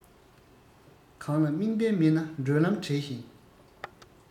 གང ལ དམིགས འབེན མེད ན འགྲོ ལམ བྲལ ཅིང